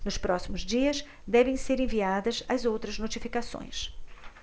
nos próximos dias devem ser enviadas as outras notificações